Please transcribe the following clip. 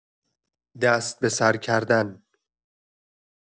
دست به سر کردن